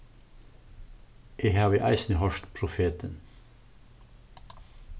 eg havi eisini hoyrt profetin